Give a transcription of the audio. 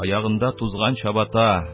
Аягында тузган чабата